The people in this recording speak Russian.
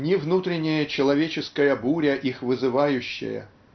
ни внутренняя человеческая буря их вызывающая